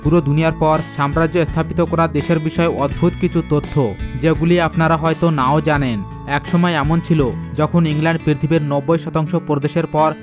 পুরো দুনিয়ার উপর সাম্রাজ্য স্থাপিত করা দেশের বিষয়ে অদ্ভুত কিছু তথ্য যেগুলো আপনারা হয়তো নাও জানেন একসময় এমন ছিল যখন ইংল্যান্ড পৃথিবীর ৯০ শতাংশ প্রদেশের পর